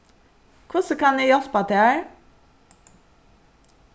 hvussu kann eg hjálpa tær